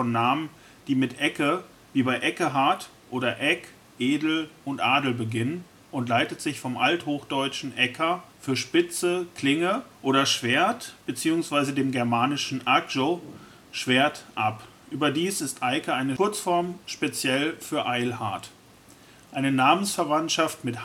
Namen, die mit „ Ecke - “wie bei Eckehard oder „ Eg -“,„ Edel - “und „ Adel - “beginnen und leitet sich vom althochdeutschen „ Ekka “(für „ Spitze “,„ Klinge “) oder „ Schwert “bzw. dem germanischen „ agjō -“(„ Schwert “) ab. Überdies ist Eike eine Kurzform speziell von Eilhard. Eine Namensverwandtschaft mit